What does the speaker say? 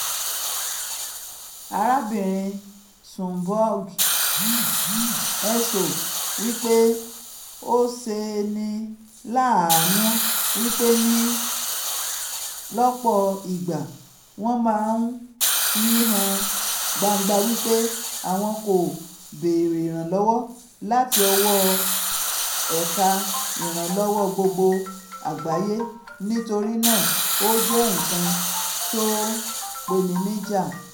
Arábìrin Sumbung sọ wipe ó ṣeni láàánú wípé ní lọ́pọ̀ ìgbà wọ́n ma ń fihàn gbangba wípé àwọn kò béèrè ìraǹwọ́ láti ọwọ́ ẹ̀ka ìrànlọ́wọ́ gbogbo àgbáyé, nítorí náà ó jẹ́ nǹkan tó peni níjà,''